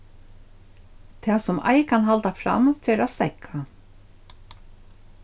tað sum ei kann halda fram fer at steðga